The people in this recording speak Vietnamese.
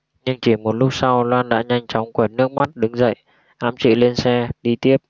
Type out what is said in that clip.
nhưng chỉ một lúc sau loan đã nhanh chóng quệt nước mắt đứng dậy ẵm chị lên xe đi tiếp